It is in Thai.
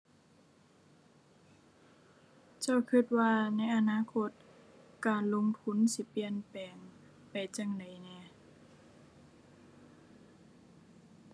เจ้าคิดว่าในอนาคตการลงทุนสิเปลี่ยนแปลงไปจั่งใดแหน่